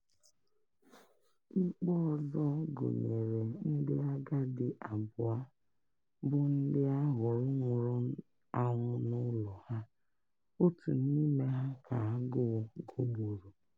Ikpe ọzọ gụnyere ndị agadi abụọ bụ́ ndị a hụrụ nwụrụ anwụ n'ụlọ ha, otu n'ime ha ka agụụ gụgburu.